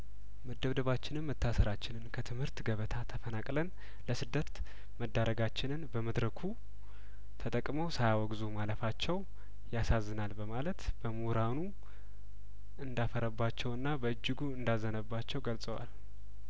መደብደባችንን መታሰራችንን ከትምህርት ገበታ ተፈናቅለን ለስደት መዳረጋችንን በመድረኩ ተጠቅመውሳ ያወግዙ ማለፋቸው ያሳዝናል በማለት በምሁራኑ እንዳፈረ ባቸውና በእጅጉ እንዳዘነባቸው ገልጸዋል